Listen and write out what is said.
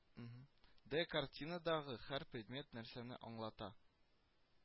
Д картинадагы һәр предмет нәрсәне аңлата